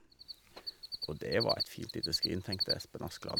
Å, det var et fint lite skrin, tenkte Espen Askeladd.